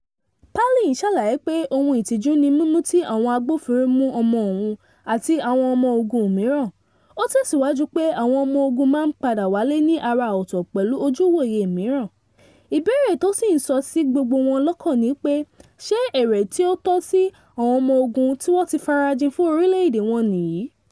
Palin ṣàlàyé pé ohun ìtìjú ni mímú tí àwọn agbófinró mú ọmọ òun àti àwọn ọmọ ogun mìíràn. Ó tẹ̀síwájú pé àwọn ọmọ ogun máa ń padà wálé ní àrà ọ̀tọ̀ pẹ̀lú ojúúwòye mìíràn, ìbéèrè tó sì ń sọ sí gbogbo wọn lọ́kàn ni pé ṣe èrè tí ó tọ́ sí àwọn ọmọ ogun tí wọ́n ti farajìn fún orílẹ̀èdè wọn nìyí."